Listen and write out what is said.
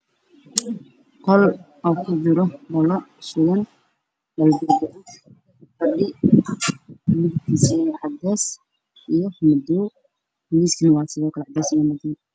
Meeshan waa qol waxaa yaalo fadhi iyo miis ka waxaana ka daaran iftiin buluug iyo gaduud ah waxaana shidan tv